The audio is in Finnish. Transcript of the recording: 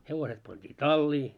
hevoset pantiin talliin